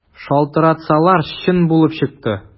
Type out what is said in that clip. Шалтыратсалар, чын булып чыкты.